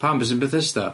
Pam be' sy'n Bethesda?